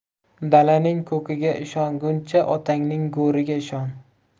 dalaning ko'kiga ishonguncha otangning go'riga ishon